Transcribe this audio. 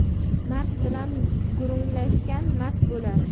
mard bilan gurunglashgan mard bo'lar